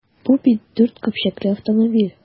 Бу бит дүрт көпчәкле автомобиль!